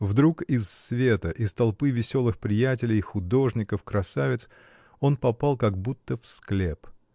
Вдруг из света, из толпы веселых приятелей, художников, красавиц он попал как будто в склеп.